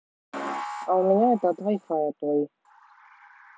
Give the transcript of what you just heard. а у меня это от вай фая той